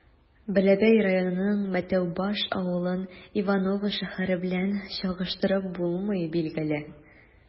Бәләбәй районының Мәтәүбаш авылын Иваново шәһәре белән чагыштырып булмый, билгеле.